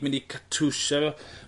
...mynd i Katusha.